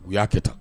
U y'a kɛ tan